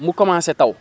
mu commencé taw